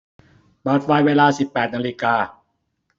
เปิดไฟเวลาสิบแปดนาฬิกา